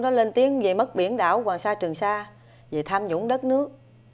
nó lên tiếng về mất biển đảo hoàng sa trường sa về tham nhũng đất nước